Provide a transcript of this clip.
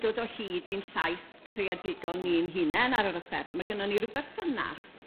dod o hyd i'n llais creadigol ni'n hunen ar yr offeryn ma' gynnon ni ryw berthynas